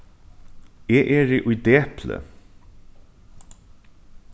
eg eri í depli